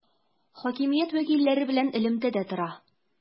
Хакимият вәкилләре белән элемтәдә тора.